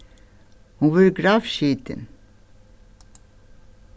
hon verður gravskitin